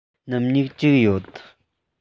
སྣུམ སྨྱུག གཅིག ཡོད